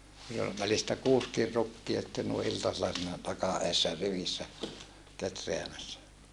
niin oli välistä kuusikin rukkia sitten noin iltasella siinä takan edessä rivissä kehräämässä